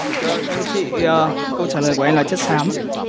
em thưa chị à câu trả lời của em là chất xám ạ